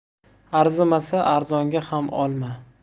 arzimasa arzonga ham olma